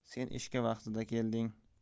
sen ishga vaqtida kelding